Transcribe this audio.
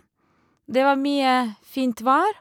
Det var mye fint vær.